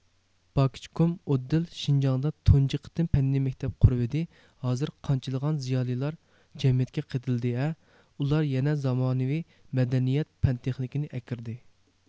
باكىچ كوم ئوددىل شىنجاڭدا تۇنجى قېتىم پەننىي مەكتەپ قۇرۇۋىدى ھازىر قانچىلىغان زىيالىيلار جەمئىيەتكە قېتىلدى ھە ئۇلار يەنە زامانىۋى مەدەنىيەت پەن تېخنىكىنى ئەكىردى